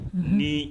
Ni